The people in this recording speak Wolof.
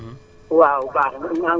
mi ngi may dégg